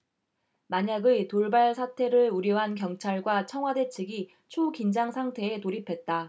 만약의 돌발 사태를 우려한 경찰과 청와대 측이 초긴장상태에 돌입했다